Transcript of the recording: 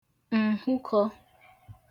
ǹhụkọ̄